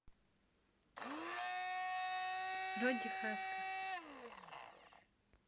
roddy хаска